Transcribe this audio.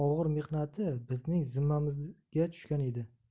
mehnati bizning zimmamizga tushgan edi